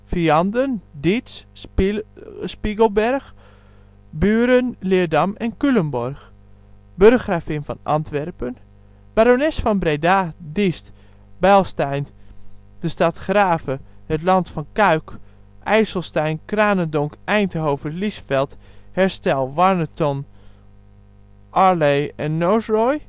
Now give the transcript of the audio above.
Vianden, Dietz, Spiegelberg, Buren, Leerdam en Culemborg Burggravin van Antwerpen Barones van Breda, Diest, Beilstein, de stad Grave, het land van Cuijck, IJsselstein, Cranendonck, Eindhoven, Liesveld, Herstel, Warneton, Arlay en Nozeroy